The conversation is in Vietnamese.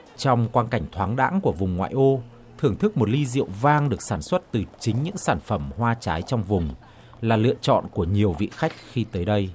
trong quang cảnh thoáng đãng của vùng ngoại ô thưởng thức một ly rượu vang được sản xuất từ chính những sản phẩm hoa trái trong vùng là lựa chọn của nhiều vị khách khi tới đây